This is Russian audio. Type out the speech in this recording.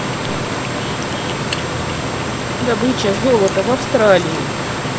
добыча золота в австралии